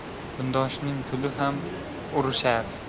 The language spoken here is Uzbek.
kundoshning kuli ham urishar